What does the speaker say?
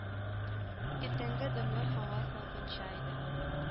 Иртәнге дымлы һава салкынча иде